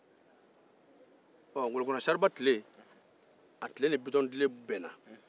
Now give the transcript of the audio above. ŋolokunna seriba tile ni bitɔntile bɛnna